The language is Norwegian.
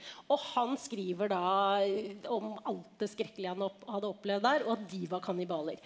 og han skriver da om alt det skrekkelige han har hadde opplevd der og at de var kannibaler.